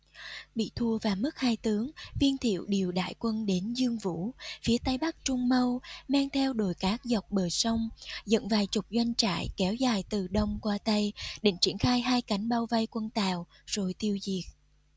bị thua và mất hai tướng viên thiệu điều đại quân đến dương vũ phía tây bắc trung mâu men theo đồi cát dọc bờ sông dựng vài chục doanh trại kéo dài từ đông qua tây định triển khai hai cánh bao vây quân tào rồi tiêu diệt